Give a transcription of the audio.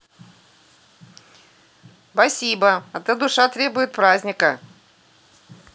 спасибо а то душа потребует праздника